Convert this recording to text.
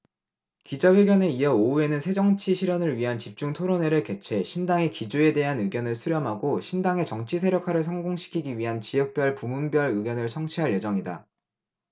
기자회견에 이어 오후에는 새정치 실현을 위한 집중 토론회를 개최 신당의 기조에 대한 의견을 수렴하고 신당의 정치 세력화를 성공시키기 위한 지역별 부문별 의견을 청취할 예정이다